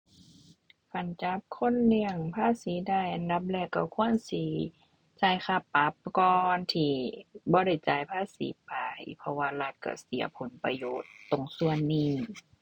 คันจับคนเลี่ยงภาษีได้ อันดับแรกก็ควรสิจ่ายค่าปรับก่อนที่บ่ได้จ่ายภาษีไป เพราะว่ารัฐก็เสียผลประโยชน์ตรงส่วนนี้